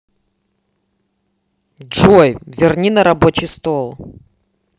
джой верни на рабочий стол